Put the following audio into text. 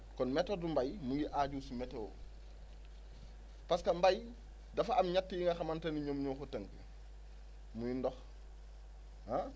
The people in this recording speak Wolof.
kon méthode bu mbéy mu ngi aaju si météo parce que mbéy dafa am ñett yi nga xamante ne ñoom ñoo ko tënk muy ndox ah